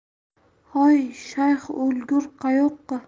hoy shayx o'lgur qayoqqa